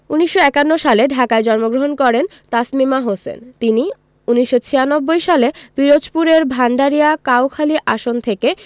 ১৯৫১ সালে ঢাকায় জন্মগ্রহণ করেন তাসমিমা হোসেন তিনি ১৯৯৬ সালে পিরোজপুরের ভাণ্ডারিয়া কাউখালী আসন থেকে